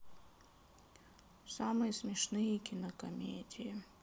самые смешные кинокомедии